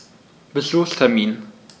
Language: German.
Besuchstermin